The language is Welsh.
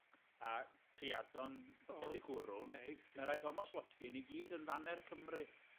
a ceuadon boteli cwrw... O neis ie. ...mae rhai Thomas Watkin i gyd yn faner Cymru.